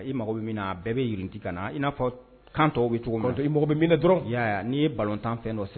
I mago bɛɛ bɛrinti ka na i n'a fɔ kan o bɛ cogo i mɔgɔ minɛ dɔrɔn y'a'i ye balo tan fɛn dɔ